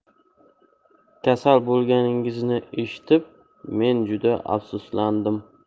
kasal bo'lganingizni eshitib men juda afsuslandim